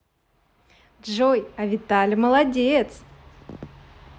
джой а виталя молодец